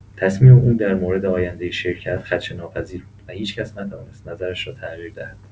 تصمیم او در مورد آینده شرکت خدشه‌ناپذیر بود و هیچ‌کس نتوانست نظرش را تغییر دهد.